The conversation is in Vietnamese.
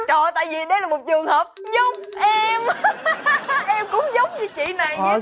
trời ơi tại vì đây là một trường hợp giống em em cũng giống như chị này vậy đó